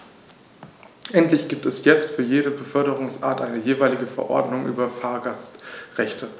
Endlich gibt es jetzt für jede Beförderungsart eine jeweilige Verordnung über Fahrgastrechte.